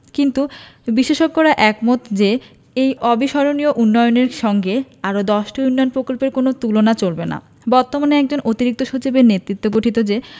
কিন্তু বিশেষজ্ঞরা একমত যে এই অবিস্মরণীয় উন্নয়নের সঙ্গে আর দশটি উন্নয়ন প্রকল্পের কোনো তুলনা চলবে না বর্তমানে একজন অতিরিক্ত সচিবের নেতৃত্বে গঠিত যে